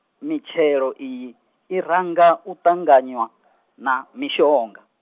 mitshelo iyi, i ranga u ṱanganywa, na, mishonga.